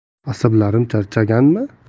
asablarim charchaganmi